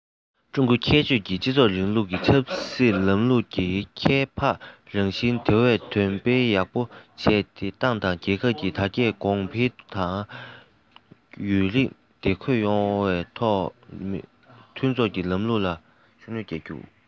ཀྲུང གོའི ཁྱད ཆོས ཀྱི སྤྱི ཚོགས རིང ལུགས ཀྱི ཆབ སྲིད ལམ ལུགས ཀྱི ཁྱད འཕགས རང བཞིན དེ བས འདོན སྤེལ ཡག པོ བྱས ནས ཏང དང རྒྱལ ཁབ དར རྒྱས གོང འཕེལ དང ཡུན རིང བདེ འཁོད ཡོང རྒྱུར དེ བས འཐུས ཚང གི ལམ ལུགས ཀྱི འགན ལེན བྱེད དགོས པ བཅས རེད